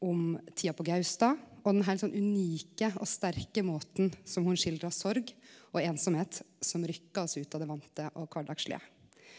om tida på Gaustad og den heilt sånn unike og sterke måta som ho skildra sorg og einsemd som rykka oss ut av det vante og kvardagslege.